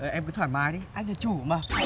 em cứ thoải mái đi anh làm chủ mà